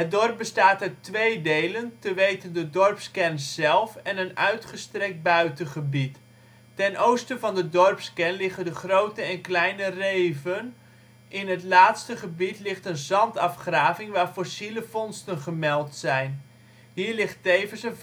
dorp bestaat uit twee delen, te weten de dorpskern zelf en een uitgestrekt buitengebied. Ten oosten van de dorpskern liggen de Grote - en Kleine Reeven. In het laatste gebied ligt een zandafgraving waar fossiele vondsten gemeld zijn. Hier ligt tevens een vuilstortplaats